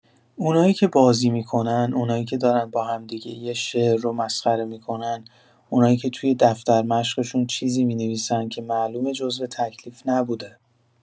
اونایی که بازی می‌کنن، اونایی که دارن با همدیگه یه شعر رو مسخره می‌کنن، اونایی که توی دفتر مشقشون چیزی می‌نویسن که معلومه جزو تکلیف نبوده.